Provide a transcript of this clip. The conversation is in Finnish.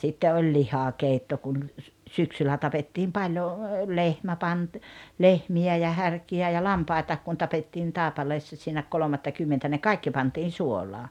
sitten oli lihakeitto kun - syksyllä tapettiin paljon lehmä - lehmiä ja härkiä ja lampaitakin kun tapettiin Taipaleessa siinä kolmattakymmentä ne kaikki pantiin suolaan